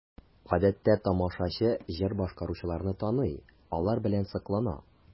Гадәттә тамашачы җыр башкаручыларны таный, алар белән соклана.